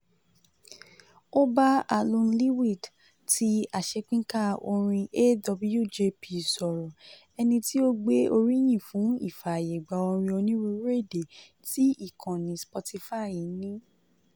Ó bá Alun Llwyd ti aṣèpínká orin AWJP sọ̀rọ̀, ẹni tí ó gbé oríyìn fún ìfààyègba orin onírúurú èdè tí ìkànnì Spotify ní.